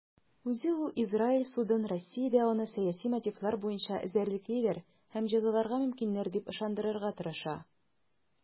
Үзе ул Израиль судын Россиядә аны сәяси мотивлар буенча эзәрлеклиләр һәм җәзаларга мөмкиннәр дип ышандырырга тырыша.